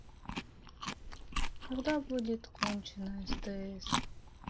когда будет кончена стс